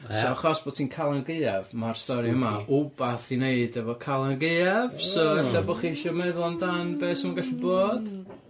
Ia. So achos bot 'i'n Calan Gaeaf, ma'r stori yma.... Spooky. ...wbath i neud efo Calan Gaeaf, so ella bo' chi isio meddwl amdan be' sa fe'n gallu bod.